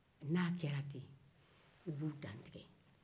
n'a kɛra ten u b'u dantigɛ